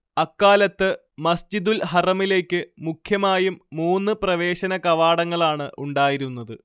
അക്കാലത്ത് മസ്ജിദുൽ ഹറമിലേക്ക് മുഖ്യമായും മൂന്നു പ്രവേശന കവാടങ്ങളാണ് ഉണ്ടായിരുന്നത്